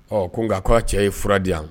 Ɔ ko nka k' cɛ ye fura diya yan